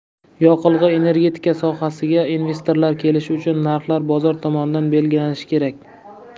yoqilg'i energetika sohasiga investorlar kelishi uchun narxlar bozor tomonidan belgilanishi kerak